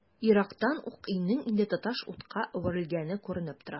Ерактан ук өйнең инде тоташ утка әверелгәнлеге күренеп тора.